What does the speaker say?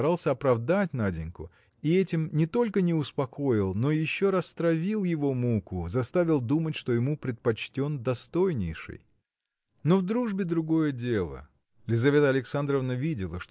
старался оправдать Наденьку и этим не только не успокоил но еще растравил его муку заставил думать что ему предпочтен достойнейший. Но в дружбе другое дело. Лизавета Александровна видела